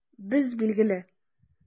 Без, билгеле!